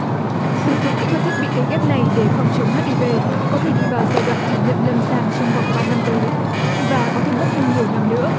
sử dụng kỹ thuật thiết bị cấy ghép này để phòng chống hát i vê có thể đi vào giai đoạn thử nghiệm lâm sàng trong vòng ba năm tới và có thể mất thêm nhiều năm nữa